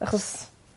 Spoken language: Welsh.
Achos